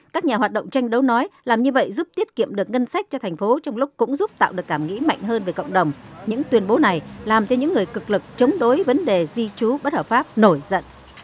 các nhà hoạt động tranh đấu nói làm như vậy giúp tiết kiệm được ngân sách cho thành phố trong lúc cũng giúp tạo được cảm nghĩ mạnh hơn với cộng đồng những tuyên bố này làm cho những người cực lực chống đối vấn đề di trú bất hợp pháp nổi giận